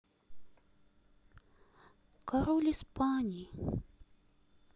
король испании